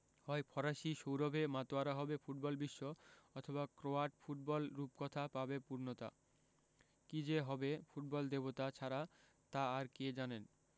হয় ফরাসি সৌরভে মাতোয়ারা হবে ফুটবলবিশ্ব অথবা ক্রোয়াট ফুটবল রূপকথা পাবে পূর্ণতা কী যে হবে ফুটবল দেবতা ছাড়া তা আর কে জানেন